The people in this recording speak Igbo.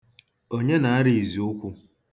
Onye na-arịa iziụkwụ?